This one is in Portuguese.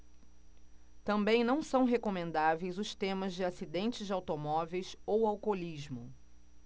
também não são recomendáveis os temas de acidentes de automóveis ou alcoolismo